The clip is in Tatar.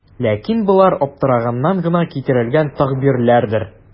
Ләкин болар аптыраганнан гына китерелгән тәгъбирләрдер.